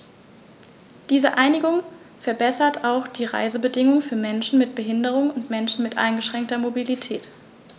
Diese Einigung verbessert auch die Reisebedingungen für Menschen mit Behinderung und Menschen mit eingeschränkter Mobilität.